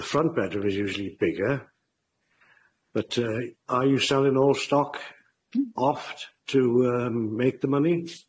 The front bedroom is usually bigger. But yy are you selling all stock... Hmm. ...oft to yy make the money?